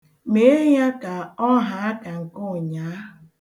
Mee ya ka ọ haa ka nke ụnyaa.